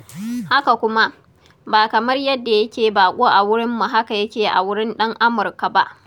Haka kuma, ba kamar yadda yake baƙo a wurinmu haka yake a wurin ɗan Amurka ba.